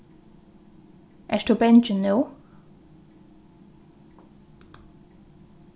ert tú bangin nú